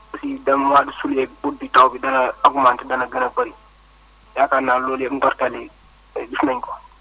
aussi dem mois de juillet aôut bi taw bi dana augmenté dana bëri yaakaar naa loolu yëpp ndorteel yi tey gis nañu ko